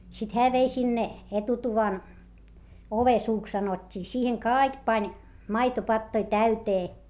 sitten hän vei sinne etutuvan ovensuuksi sanottiin siihen kaikki pani maitopatoja täyteen